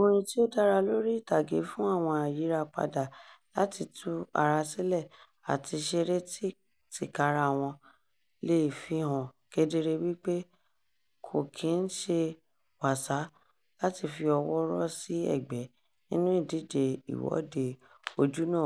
Orin tí ó dára lórí ìtàgé fún àwọn ayírapadà láti tú ara sílẹ̀ àti “ṣeré tìkára wọn”, lè fi hàn kedere wípé kò kì í ń ṣe wàsá láti fi ọwọ́ rọ́ sí ẹ̀gbẹ́ nínú ìdíje Ìwọ́de Ojúnà